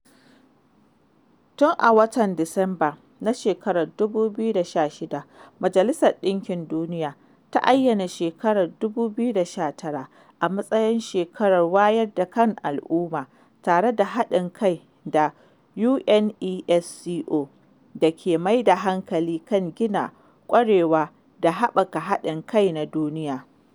Tun a watan Disamba na 2016, Majalisar Ɗinkin Duniya ta ayyana shekarar 2019 a matsayin shekarar wayar da kan al'umma, tare da haɗin kai da UNESCO da ke mai da hankali kan gina ƙwarewa da haɓaka haɗin kai na duniya.